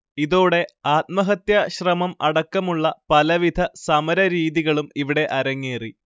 ഇതോടെ ആത്മഹത്യ ശ്രമം അടക്കമുള്ള പലവിധ സമരരീതികളും ഇവിടെ അരങ്ങേറി